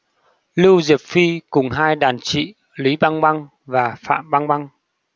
lưu diệc phi cùng hai đàn chị lý băng băng và phạm băng băng